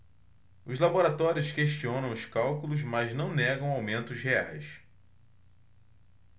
os laboratórios questionam os cálculos mas não negam aumentos reais